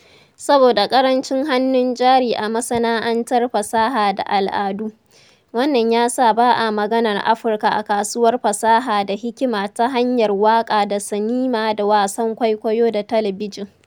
Saboda ƙarancin hannun jari a masana'antar fasaha da al'adu, wannan ya sa ba a maganar Afirka a kasuwar fasaha da hikima ta hanyar waƙa da sinima da wasan kwaikwayo da talabijin.